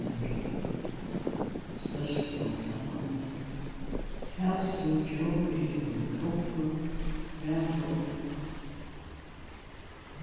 tær størstu á havsúgdjór eru kópur hvalur